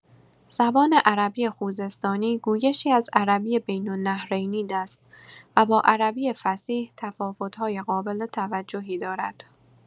زبان عربی خوزستانی گویشی از عربی بین‌النهرینی است و با عربی فصیح تفاوت‌های قابل توجهی دارد.